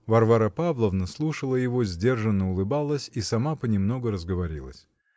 Варвара Павловна слушала его, сдержанно улыбалась и сама понемногу разговорилась.